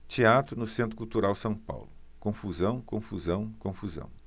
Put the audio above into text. teatro no centro cultural são paulo confusão confusão confusão